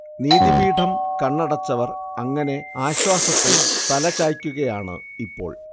നീതി പീഠം കണ്ണടച്ചവർ അങ്ങനെ ആശ്വാസത്തിൽ തലചായ്ക്കുകയാണ് ഇപ്പോൾ